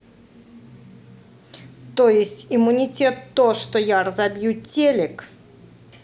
то есть иммунитет то что я разобью телик